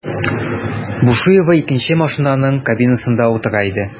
Бушуева икенче машинаның кабинасында утыра иде.